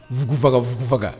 Fugu faga fugu faga